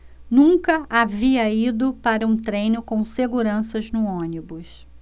nunca havia ido para um treino com seguranças no ônibus